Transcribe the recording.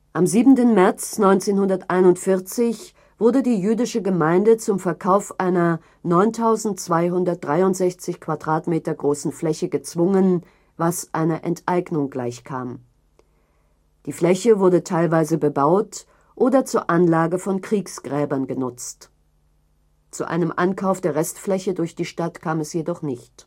Am 7. März 1941 wurde die Jüdische Gemeinde zum Verkauf einer 9.263 m² großen Fläche gezwungen, was einer Enteignung gleichkam. Die Fläche wurde teilweise bebaut oder zur Anlage von Kriegsgräbern genutzt. Zu einem Ankauf der Restfläche durch die Stadt kam es jedoch nicht